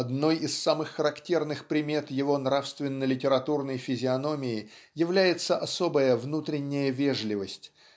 Одной из самых характерных примет его нравственно-литературной физиономии является особая внутренняя вежливость